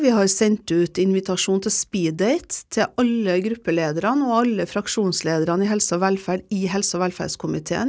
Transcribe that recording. vi har sendt ut invitasjon til speeddate til alle gruppelederne og alle fraksjonslederne i helse og velferd i helse- og velferdskomiteen.